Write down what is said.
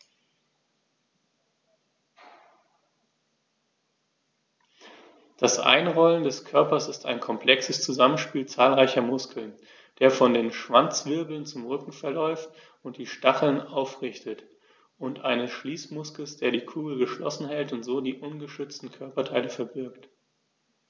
Das Einrollen des Körpers ist ein komplexes Zusammenspiel zahlreicher Muskeln, der von den Schwanzwirbeln zum Rücken verläuft und die Stacheln aufrichtet, und eines Schließmuskels, der die Kugel geschlossen hält und so die ungeschützten Körperteile verbirgt.